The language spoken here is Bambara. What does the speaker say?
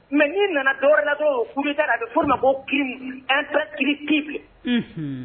Mɛ n'i nana dɔw latɔ furu a bɛ'o ma bɔ ki an ki ki